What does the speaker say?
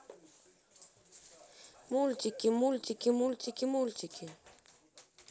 мультики мультики мультики мультики